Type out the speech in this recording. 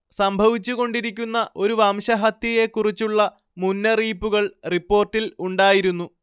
സംഭവിച്ചുകൊണ്ടിരിക്കുന്ന ഒരു വംശഹത്യയെക്കുറിച്ചുള്ള മുന്നറിയിപ്പുകൾ റിപ്പോർട്ടിൽ ഉണ്ടായിരുന്നു